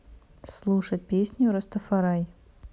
слушать песню растафарай